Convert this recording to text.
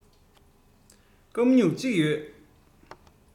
སྐམ སྨྱུག གཅིག ཡོད